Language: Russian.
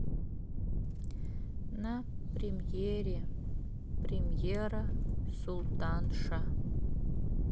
на премьере премьера султанша